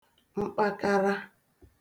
mkpakara